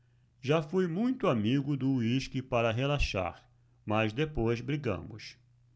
já fui muito amigo do uísque para relaxar mas depois brigamos